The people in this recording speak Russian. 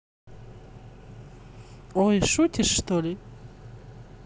ой шутишь что ли ли